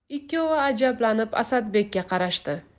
ikkovi ajablanib asadbekka qarashdi